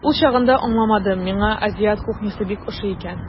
Ул чагында аңладым, миңа азиат кухнясы бик ошый икән.